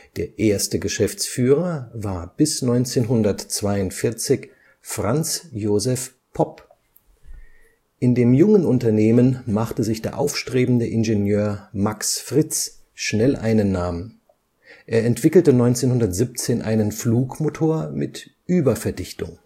Der erste Geschäftsführer war bis 1942 Franz Josef Popp. In dem jungen Unternehmen machte sich der aufstrebende Ingenieur Max Friz schnell einen Namen: er entwickelte 1917 einen Flugmotor mit Überverdichtung